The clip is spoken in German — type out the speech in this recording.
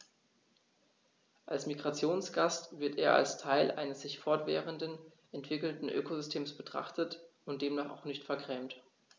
Als Migrationsgast wird er als Teil eines sich fortwährend entwickelnden Ökosystems betrachtet und demnach auch nicht vergrämt.